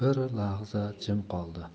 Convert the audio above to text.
bir lahza jim qoldi